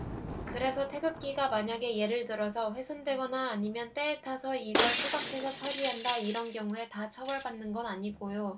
그래서 태극기가 만약에 예를 들어서 훼손되거나 아니면 때에 타서 이걸 소각해서 처리한다 이런 경우에 다 처벌받는 건 아니고요